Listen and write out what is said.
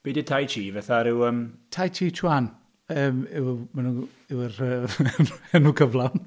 Be 'di tai chi? Fatha ryw yym... Tai Chi Chuan yym yw... maen nhw... yw'r yy enw cyflawn.